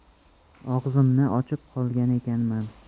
og'zimni ochib qolgan ekanman